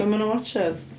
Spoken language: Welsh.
Be ma' nhw'n watsiad?